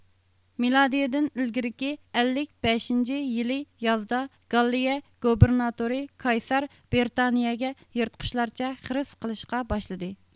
مىلادىيىدىن ئىلگىرىكى ئەللىك بەشىنچى يىلى يازدا گاللىيە گوبىرناتورى كايسار برىتانىيىگە يىرتقۇچلارچە خىرىس قىلىشقا باشلىدى